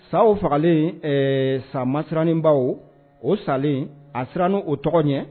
Sa o fagalen sa ma siraninbaw o salen a siran n o tɔgɔ ye